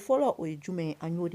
Fɔlɔ o ye jumɛn ye an'o de